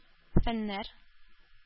Фәннәр